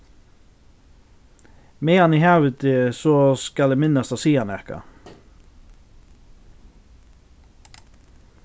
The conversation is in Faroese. meðan eg havi teg so skal eg minnast at siga nakað